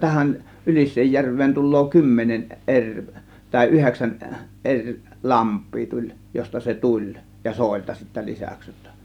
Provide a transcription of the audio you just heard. tähän Ylisenjärveen tulee kymmenen eri tai yhdeksän eri lampea tuli josta se tuli ja soilta sitten lisäksi jotta